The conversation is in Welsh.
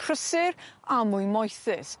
prysur a mwy moethus.